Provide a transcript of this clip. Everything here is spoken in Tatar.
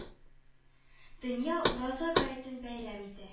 Дөнья Ураза гаетен бәйрәм итә